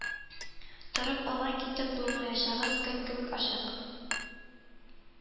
Торып, алга китеп булмаячагы, көн кебек ачык